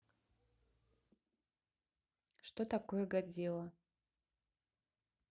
что такое годзилла